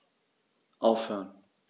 Aufhören.